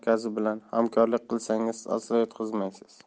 markazi bilan hamkorlik qilsangiz aslo yutqazmaysiz